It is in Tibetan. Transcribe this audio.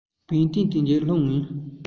བར ཏན ཏན འཇིགས སློང ངེས